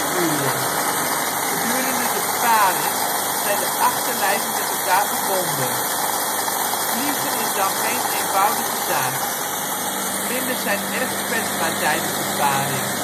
uren. Gedurende de paring zijn de achterlijven met elkaar verbonden. Vliegen is dan geen eenvoudige zaak; vlinders zijn erg kwetsbaar tijdens de paring